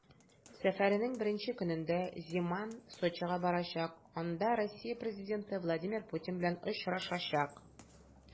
Сәфәренең беренче көнендә Земан Сочига барачак, анда Россия президенты Владимир Путин белән очрашачак.